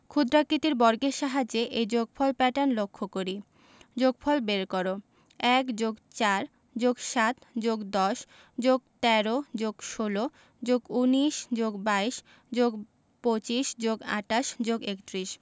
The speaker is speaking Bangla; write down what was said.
ক্ষুদ্রাকৃতির বর্গের সাহায্যে এই যোগফল প্যাটার্ন লক্ষ করি যোগফল বের করঃ ১+৪+৭+১০+১৩+১৬+১৯+২২+২৫+২৮+৩১